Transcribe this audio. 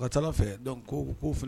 Ka taa fɛ dɔn k' filɛ